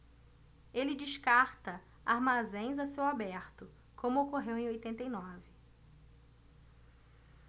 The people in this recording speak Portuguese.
ele descarta armazéns a céu aberto como ocorreu em oitenta e nove